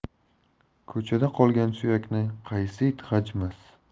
ko'chada qolgan suyakni qaysi it g'ajimas